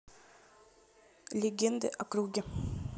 легенды о круге